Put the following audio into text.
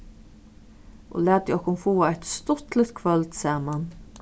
og latið okkum fáa eitt stuttligt kvøld saman